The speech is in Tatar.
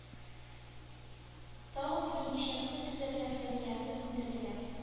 Тагын берничә көн түзәргә фәниярны күндерделәр